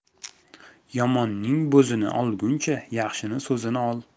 yomonning bo'zini olguncha yaxshining so'zini ol